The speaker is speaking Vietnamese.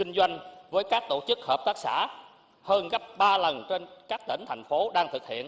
kinh doanh với các tổ chức hợp tác xã hơn gấp ba lần trên các tỉnh thành phố đang thực hiện